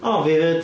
O, fi hefyd.